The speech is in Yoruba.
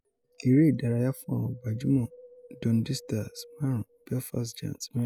Eré-ìdárayá fún àwọn Gbajúmọ̀: Dundee Stars 5, Belfast Giants 4